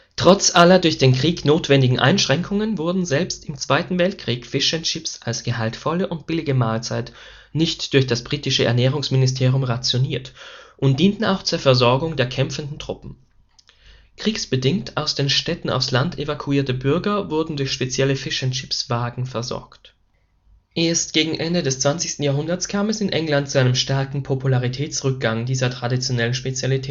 Trotz aller durch den Krieg notwendigen Einschränkungen wurden selbst im Zweiten Weltkrieg Fish and Chips als gehaltvolle und billige Mahlzeit nicht durch das britische Ernährungsministerium rationiert und dienten auch zur Versorgung der kämpfenden Truppen. Kriegsbedingt aus den Städten aufs Land evakuierte Bürger wurden durch spezielle Fish’ n’ Chips-Wagen versorgt. Erst gegen Ende des 20. Jahrhunderts kam es in England zu einem starken Popularitätsrückgang dieser traditionellen Spezialität